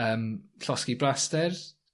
yym llosgi braster.